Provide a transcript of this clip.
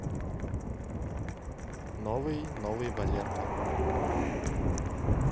новый новый валерка